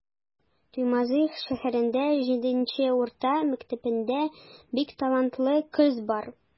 Туймазы шәһәренең 7 нче урта мәктәбендә бик талантлы кыз бар.